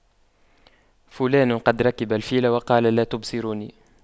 فلان قد ركب الفيل وقال لا تبصروني